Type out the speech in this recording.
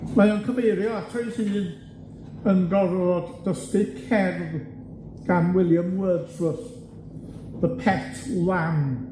Mae o'n cyfeirio ato ei hun yn gorfod dysgu cerdd gan William Wordsworth, The Pet Lamb.